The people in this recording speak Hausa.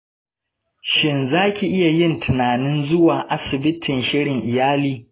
shin za ki iya yin tunanin zuwa asibitin shirin iyali?